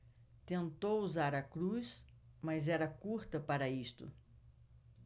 tentou usar a cruz mas era curta para isto